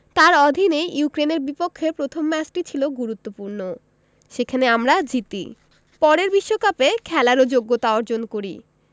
তাঁর অধীনে ইউক্রেনের বিপক্ষে প্রথম ম্যাচটি ছিল গুরুত্বপূর্ণ সেখানে আমরা জিতি পরে বিশ্বকাপে খেলারও যোগ্যতা অর্জন করি